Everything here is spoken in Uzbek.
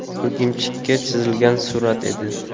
o'rgimchikka chizilgan surat edi